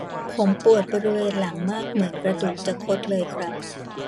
ผมปวดบริเวณหลังมากเหมือนกระดูกจะคดเลยครับ